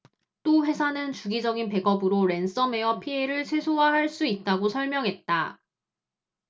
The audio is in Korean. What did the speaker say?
또 회사는 주기적인 백업으로 랜섬웨어 피해를 최소화 할 수 있다고 설명했다